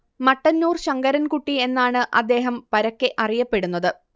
മട്ടന്നൂർ ശങ്കരൻ കുട്ടി എന്നാണ് അദ്ദേഹം പരക്കെ അറിയപ്പെടുന്നത്